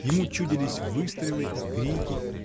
ему чудились выстрелы и крики.